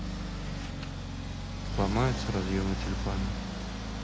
ломаются разъемы тюльпаны